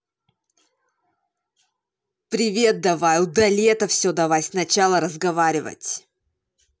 привет давай удали это все давай сначала разговаривать